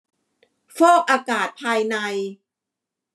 ฟอกอากาศภายใน